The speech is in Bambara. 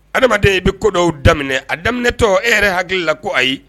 Hadamaden i bɛ ko dɔw daminɛ a daminɛtɔ e yɛrɛ hakili la ko ayi